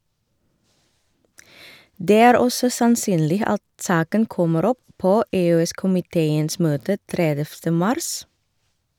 Det er også sannsynlig at saken kommer opp på EØS-komiteens møte 30. mars.